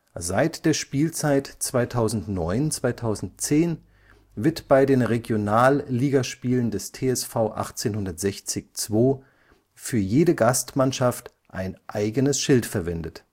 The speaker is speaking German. Seit der Spielzeit 2009/10 wird bei den Regionalligaspielen des TSV 1860 II für jede Gastmannschaft ein eigenes Schild verwendet